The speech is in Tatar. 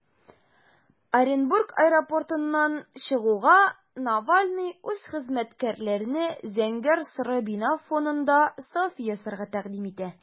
Оренбург аэропортыннан чыгуга, Навальный үз хезмәткәрләренә зәңгәр-соры бина фонында селфи ясарга тәкъдим итә.